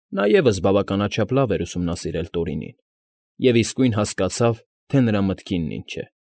Նա ևս բավականաչափ լավ էր ուսումնասիրել Տորինին և իսկույն հասկացավ, թե նրա մտքինն ինչ է։ ֊